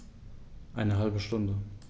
Eine halbe Stunde